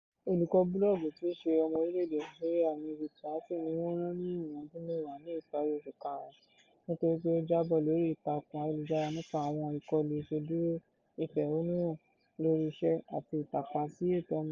Olùkọ́ búlọ́ọ̀gù tíí ṣe ọmọ orílẹ̀ èdè Algeria Merzouq Touati ni wọ́n rán ní ẹ̀wọ̀n ọdún mẹ́wàá ní ìparí oṣù Karùn-ún nítorí pé ó jábọ̀ lórí ìtàkùn ayélujára nípa àwọn ìkọlù ìṣèdúró, ìfẹ̀hónúhàn lórí iṣẹ́, àti ìtàpá sí ẹ̀tọ́ ọmọnìyàn.